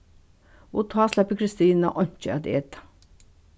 og tá sleppur kristina einki at eta